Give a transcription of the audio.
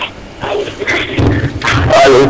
alo